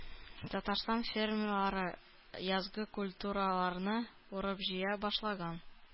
Татарстан фермерлары язгы культураларны урып-җыя башлаган.